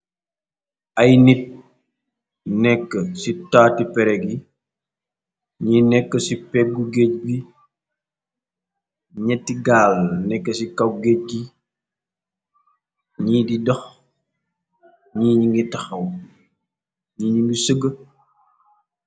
ay nit nekk ci taati perég yi ñiy nekk ci péggu géej bi ñétti gaal nékk ci kaw géej gi gñi di dox taxaw ñi ñi ngi sëgg